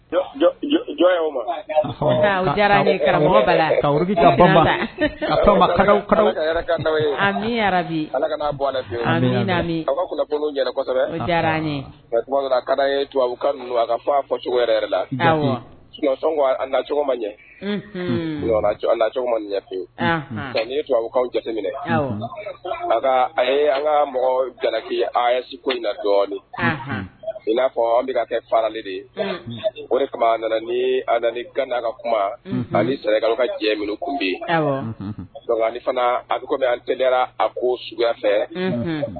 Babu ninnu a ka fɔ la ɲɛ ɲɛ pe nkababu jateminɛ a an ka mɔgɔ jalaki asiko na dɔɔnin i n'a fɔ an bɛka kɛ fara ale de ye o tuma nana ni gaga kuma ani sera ka jɛ minnu kun bɛ yen fana anyara a ko sugu fɛ